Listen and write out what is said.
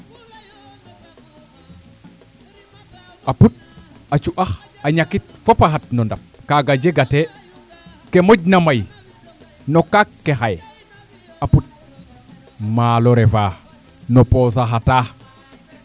a put a cu'ax a ñakit fopa xat no ndap kaga jega te ke moƴna may no kaak ke xaye a put maalo refa no posa xata